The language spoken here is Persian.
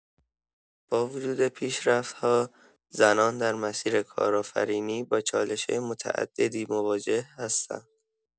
با وجود پیشرفت‌ها، زنان در مسیر کارآفرینی با چالش‌های متعددی مواجه هستند.